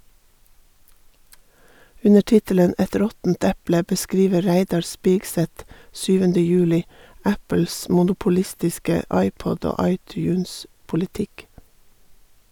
Under tittelen "Et råttent eple" beskriver Reidar Spigseth 7. juli Apples monopolistiske iPod- og iTunes-politikk.